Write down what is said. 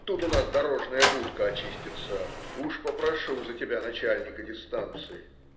Тут у нас дорожная будка очистится; уж попрошу за тебя начальника дистанции.